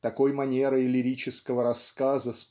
Такой манерой лирического рассказа